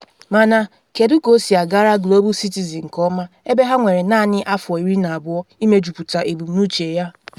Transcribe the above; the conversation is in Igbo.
Mana, kedu ka o si agara Global Citizen nke ọma ebe ha nwere naanị afọ 12 imejuputa ebumnuche ya?